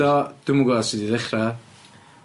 Do, dwi'm yn gwybo sud i ddechra.